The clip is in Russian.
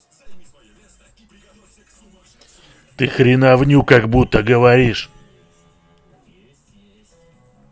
ты хреновню как будто говоришь